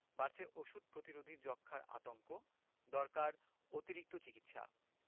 বাড়ছে ওষুধ প্রতিরোধী যক্ষ্মার আতঙ্ক দরকার অতিরিক্ত চিকিৎসা